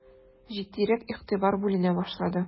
Җитдирәк игътибар бүленә башлады.